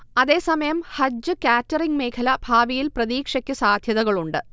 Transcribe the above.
അതേസമയം ഹജജ് കാറ്ററിംഗ് മേഖല ഭാവിയിൽ പ്രതീക്ഷക്ക് സാധ്യതകളുണ്ട്